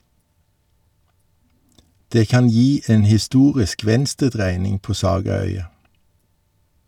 Det kan gi en historisk venstredreining på sagaøya.